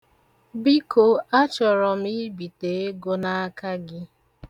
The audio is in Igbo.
Biko achọrọ m ibite ego n'aka gị.